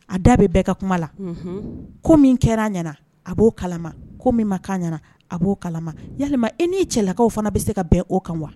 A da bɛ bɛɛ ka kuma la; unhun; ko min kɛra a ɲɛna a b'o kalama, ko min ma k'a ɲɛna a b'o kalama yalima i n'i cɛlakaw fana bɛ se ka bɛn o kan wa?